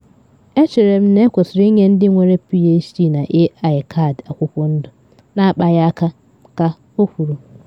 “Echere m na ekwesịrị ịnye ndị nwere PhD na AI kaadị akwụkwọ ndụ na akpaghị aka,” ka o kwuru.